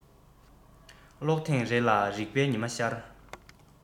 ཀློག ཐེངས རེ ལ རིག པའི ཉི མ ཤར